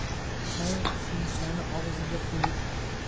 shayx shishani og'ziga qo'yib